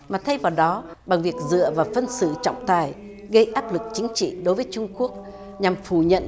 mà thay vào đó bằng việc dựa vào phân xử trọng tài gây áp lực chính trị đối với trung quốc nhằm phủ nhận